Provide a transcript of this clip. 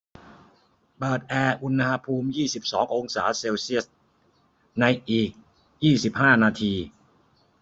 เปิดแอร์อุณหภูมิยี่สิบสององศาเซลเซียสในอีกยี่สิบห้านาที